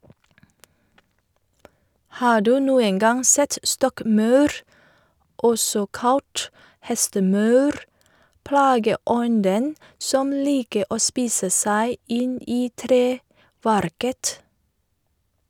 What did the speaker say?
Har du noen gang sett stokkmaur, også kalt hestemaur, plageånden som liker å spise seg inn i treverket?